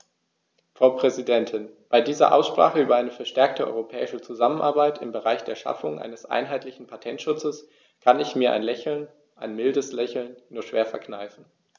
Frau Präsidentin, bei dieser Aussprache über eine verstärkte europäische Zusammenarbeit im Bereich der Schaffung eines einheitlichen Patentschutzes kann ich mir ein Lächeln - ein mildes Lächeln - nur schwer verkneifen.